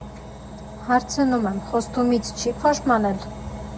Հարցնում եմ՝ խոստումից չի՞ փոշմանել։